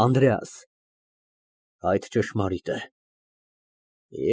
ԱՆԴՐԵԱՍ ֊ Այդ ճշմարիտ է։